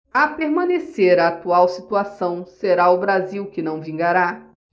a permanecer a atual situação será o brasil que não vingará